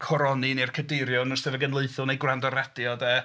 Coroni neu'r cadeirio yn yr Eisteddfod Genedlaethol neu gwrando ar y radio de.